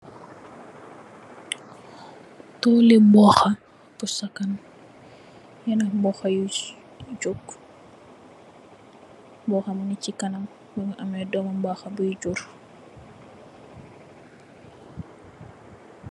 Tooli mboxa, bu sankan, yenna mboxa yuy jog, mboxa yuy jog, am na doomu mboxa buy jog.